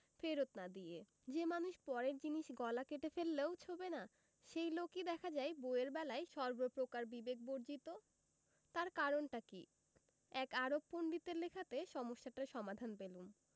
ফেরত্ না দিয়ে যে মানুষ পরের জিনিস গলা কেটে ফেললেও ছোঁবে না সেই লোকই দেখা যায় বইয়ের বেলায় সর্বপ্রকার বিবেক বিবর্জিত তার কারণটা কি এক আরব পণ্ডিতের লেখাতে সমস্যাটার সমাধান পেলুম